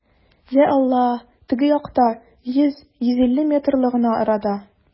Йа Аллаһ, теге якта, йөз, йөз илле метрлы гына арада!